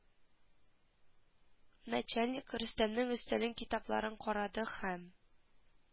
Начальник рөстәмнең өстәлен китапларын карады һәм